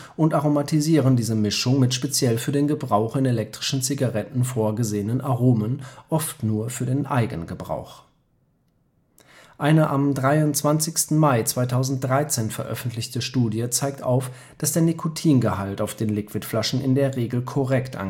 und aromatisieren diese Mischung mit speziell für den Gebrauch in elektrischen Zigaretten vorgesehenen Aromen, oft nur für den Eigengebrauch. Eine am 23. Mai 2013 veröffentlichte Studie zeigt auf, dass der Nikotingehalt auf den Liquidflaschen in der Regel korrekt